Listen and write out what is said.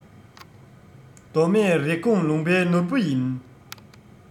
མདོ སྨད རེབ གོང ལུང པའི ནོར བུ ཡིན